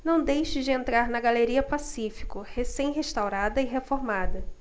não deixe de entrar na galeria pacífico recém restaurada e reformada